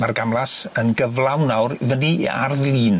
Ma'r gamlas yn gyflawn nawr fyny Arddlin.